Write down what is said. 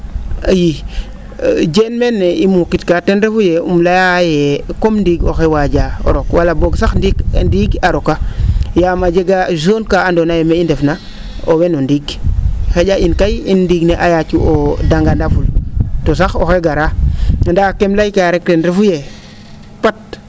Ii Diene meene i muukitkaa ten refu yee um layaa yee comme ndiig oxey waajaa rok wala boog sax ndiig a roka yaam a jega zone kaa andoona yee mee i ndef na owey no ndiig xa?a kay in ndiig ne a yaacu o danganaful to sax oxey garaa ndaa kem laykaa rek ten refu yee